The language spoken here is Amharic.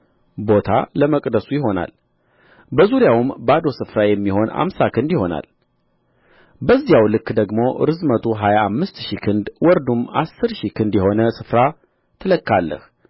ቦታ ለመቅደሱ ይሆናል በዙሪያውም ባዶ ስፍራ የሚሆን አምሳ ክንድ ይሆናል ከዚያው ልክ ደግሞ ርዝመቱ ሀያ አምስት ሺህ ክንድ ወርዱም አሥር ሺህ ክንድ የሆነ ስፍራ ትለካለህ